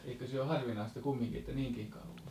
eikö se ole harvinaista kumminkin että niinkin kauan